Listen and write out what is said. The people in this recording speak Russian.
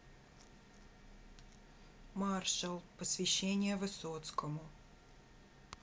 маршал посвящение высоцкому